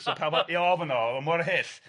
So pawb o 'i ofn o o'dd omor hyll.